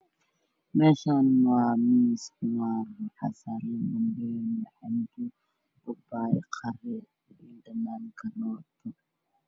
Meeshaan waa miis waxa saaran canbo babayay qaro liin dhanan iyo karooto